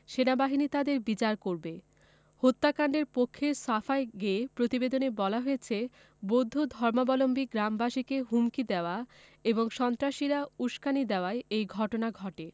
সেনাবাহিনী তাদের বিচার করবে হত্যাকাণ্ডের পক্ষে সাফাই গেয়ে প্রতিবেদনে বলা হয়েছে বৌদ্ধ ধর্মাবলম্বী গ্রামবাসীকে হুমকি দেওয়ায় এবং সন্ত্রাসীরা উসকানি দেওয়ায় এ ঘটনা ঘটে